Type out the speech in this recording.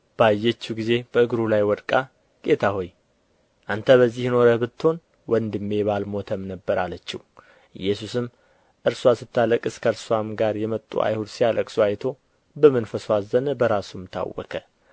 ባየችው ጊዜ በእግሩ ላይ ወድቃ ጌታ ሆይ አንተ በዚህ ኖረህ ብትሆን ወንድሜ ባልሞተም ነበር አለችው ኢየሱስም እርስዋ ስታለቅስ ከእርስዋም ጋር የመጡት አይሁድ ሲያለቅሱ አይቶ በመንፈሱ አዘነ በራሱም ታወከ